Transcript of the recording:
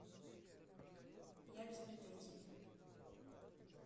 я без претензий